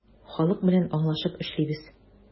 Халык белән аңлашып эшлибез.